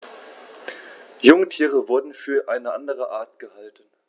Jungtiere wurden für eine andere Art gehalten.